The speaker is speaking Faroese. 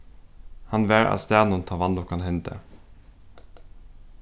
hann var á staðnum tá vanlukkan hendi